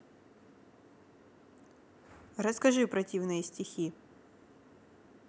расскажи противные стихи